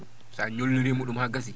so a ñolnirii mo ɗum haa gasii